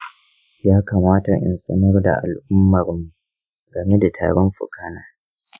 ya kamata in sanar da al'ummarmu game da tarin fuka na?